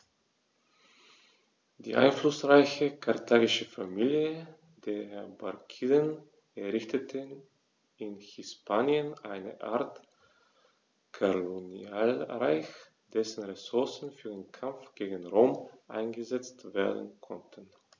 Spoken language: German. Die einflussreiche karthagische Familie der Barkiden errichtete in Hispanien eine Art Kolonialreich, dessen Ressourcen für den Kampf gegen Rom eingesetzt werden konnten.